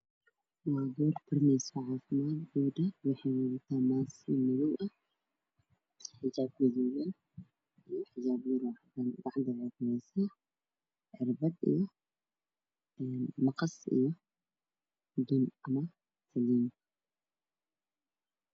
Waxaa ii mooda gabar wadato xariga wax lagu talo waxa ayna qabtaa xijaab cad xijaab gaduudan xijaab madow iyo galoofis cad de